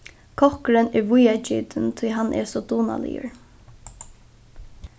kokkurin er víðagitin tí hann er so dugnaligur